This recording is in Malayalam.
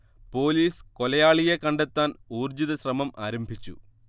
പോലീസ് കൊലയാളിയെ കണ്ടെത്താൻ ഊർജ്ജിത ശ്രമം ആരംഭിച്ചു